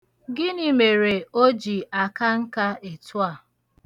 Gịnị mere o ji aka nka etu a?